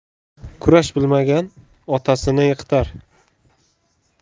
kurash bilmagan otasini yiqitar